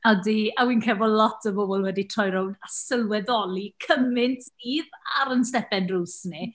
Ydi, a wi'n credu bo' lot o bobl wedi troi rownd a sylweddoli cymaint sydd ar ein stepen drws ni.